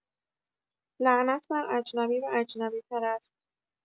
لعنت بر اجنبی و اجنبی پرست!